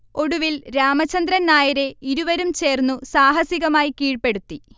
ഒടുവിൽ രാമചന്ദ്രൻ നായരെ ഇരുവരും ചേർന്നു സാഹസികമായി കീഴ്പെടുത്തി